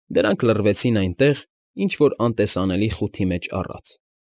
Դրանք լռվեցին այնտեղ, ինչ որ անտեսանելի խութի դեմ առած։